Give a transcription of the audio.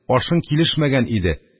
Ашың килешмәгән иде;